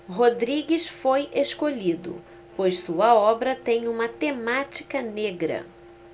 rodrigues foi escolhido pois sua obra tem uma temática negra